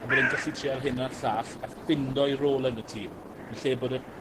a bod e'n gallu trial hyn a'r llall a ffindo'i rôl yn y tim yn lle bod y